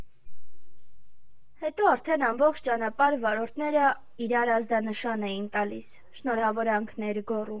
Հետո արդեն ամբողջ ճանապարհ վարորդները իրար ազդանշան էին տալիս, շնորհավորանքներ գոռում։